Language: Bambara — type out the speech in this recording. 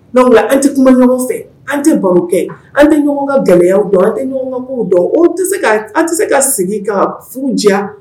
Dɔw ola an tɛ kuma ɲɔgɔn fɛ an tɛ barokɛ an tɛ ɲɔgɔn ka gɛlɛyaya dɔn an tɛ ɲɔgɔn ka mɔgɔw dɔn o tɛ se an tɛ se ka sigi ka furu diya